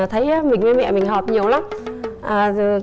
thấy ý mình với mẹ mình hợp nhiều lắm à